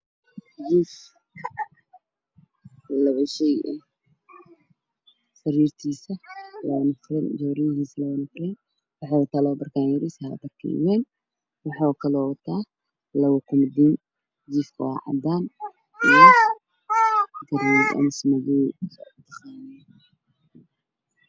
Bisha waxaa ka muuqda jiif ka kalarkiisu waa caddaan waxa uu wataa armaajo iyo koobidiinno waxaa kale oo wata go'o goduudin iyo saddex barkiimood